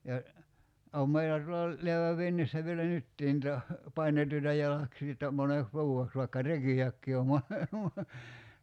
ja on meillä tuolla läävän vintissä vielä nytkin niitä painettuja jalaksia että moneksi vuodeksi vaikka rekiäkin on --